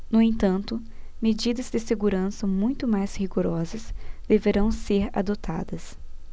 no entanto medidas de segurança muito mais rigorosas deverão ser adotadas